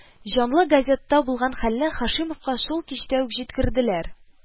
Җанлы газетта булган хәлне Һашимовка шул кичтә үк җиткерделәр